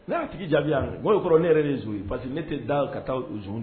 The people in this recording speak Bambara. Ne' tigi jaabi' kɔrɔ ne yɛrɛ de zo ye basi que ne tɛ da ka taa z